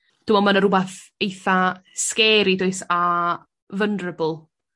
Dwi me'wl ma' 'na rwbath eitha scary does a vulnerable